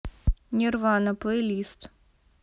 nirvana плейлист